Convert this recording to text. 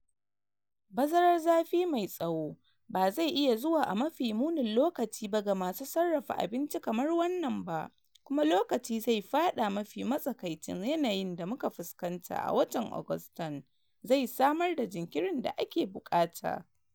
Bazarar zafi mai tsawo ba zai iya zuwa a mafi munin lokaci ba ga masu sarrafa abinci kamar wannan ba kuma lokaci zai fada mafi matsakaicin yanayin da muka fuskanta a watan Agustan zai samar da jinkirin da ake bukata. "